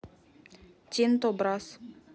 тинто брасс